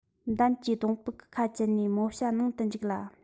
འདམ གྱིས སྡོང ཕུག གི ཁ བཅད ནས མོ བྱ ནང དུ འཇུག ལ